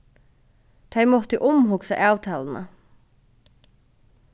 tey máttu umhugsa avtaluna